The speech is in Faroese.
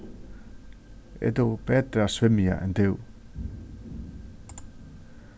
eg dugi betur at svimja enn tú